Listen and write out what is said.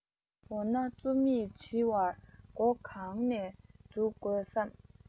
འོ ན རྩོམ ཡིག འབྲི བར མགོ གང ནས འཛུགས དགོས སམ